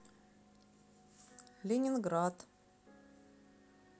ленинград